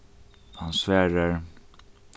hann svarar